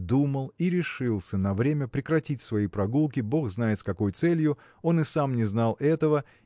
думал и решился на время прекратить свои прогулки бог знает с какою целью он и сам не знал этого